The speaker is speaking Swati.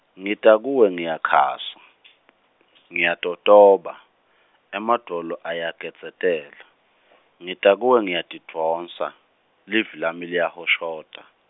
ngita kuwe ngiyakhasa , ngiyatotoba, emadvolo ayagedzetela , ngita kuwe ngiyatidvonsa, livi lami liyahoshota.